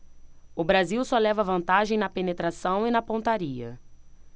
o brasil só leva vantagem na penetração e na pontaria